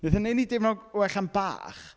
Wneith e wneud i ni deimlo'n well am bach.